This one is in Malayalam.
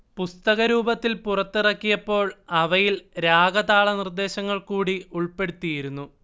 പുസ്തകരൂപത്തിൽ പുറത്തിറക്കിയപ്പോൾ അവയിൽ രാഗതാള നിർദ്ദേശങ്ങൾ കൂടി ഉൾപ്പെടുത്തിയിരുന്നു